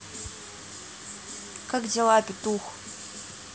как дела петух